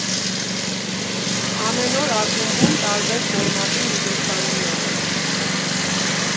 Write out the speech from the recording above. Ամեն օր ակումբում տարբեր ֆորմատի միջոցառումներ են.